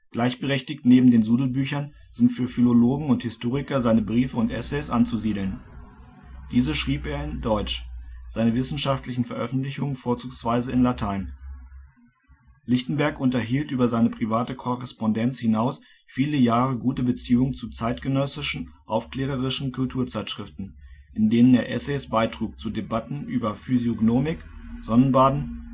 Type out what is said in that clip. Gleichberechtigt neben den Sudelbüchern sind für Philologen und Historiker seine Briefe und Essays anzusiedeln. Diese schrieb er in auf deutsch, seine wissenschaftlichen Veröffentlichungen vorzugsweise in Latein. Lichtenberg unterhielt über seine private Korrespondenz hinaus viele Jahre gute Beziehungen zu zeitgenössischen, aufklärerischen Kulturzeitschriften, in denen er Essays beitrug zu Debatten über unter anderem Physiognomik, Sonnenbaden